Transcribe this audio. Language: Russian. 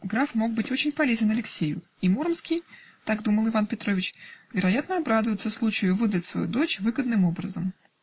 граф мог быть очень полезен Алексею, а Муромский (так думал Иван Петрович), вероятно, обрадуется случаю выдать свою дочь выгодным образом.